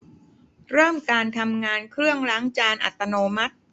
เริ่มการทำงานเครื่องล้างจานอัตโนมัติ